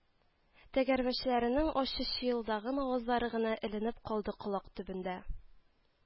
Тәгәрмәчләренең ачы чыелдаган авазлары гына эленеп калды колак төбендә